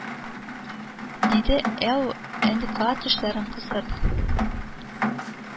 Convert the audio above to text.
Диде л энка тешләрен кысып